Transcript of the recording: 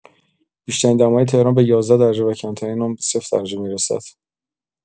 بیشترین دمای تهران به ۱۱ درجه و کمترین آن به صفر درجه می‌رسد.